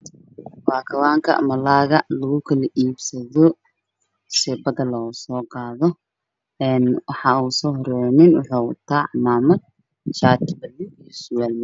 Meeshaan waa kawaanka malaayga lugu kala iibsado sida badda looga soo qaado, ninka ugu soo horeeyo waxuu wataa cimaamad iyo shaati madow iyo surwaal.